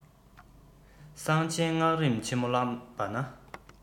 གསང ཆེན སྔགས རིམ ཆེན མོ བཀླགས པ ན